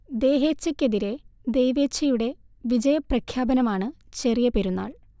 ദേഹേഛക്കെതിരെ ദൈവേഛയുടെ വിജയ പ്രഖ്യാപനമാണ് ചെറിയ പെരുന്നാൾ